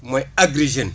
mooy Agri Jeunes